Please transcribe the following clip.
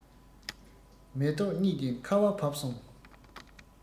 མེ ཏོག རྙིད ཅིང ཁ བ བབས སོང